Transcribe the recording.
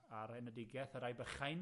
...ar enedigeth, y rai bychain.